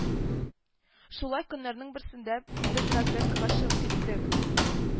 Шулай көннәрнең берсендә без разведкага чыгып киттек